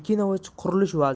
erkinovich qurilish vaziri